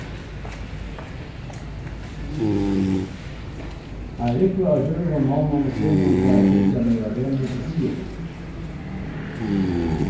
ein rúgva av djørvum monnum og kvinnum fara at fylgja mær á vegnum til sigurs